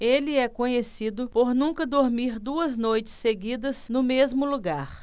ele é conhecido por nunca dormir duas noites seguidas no mesmo lugar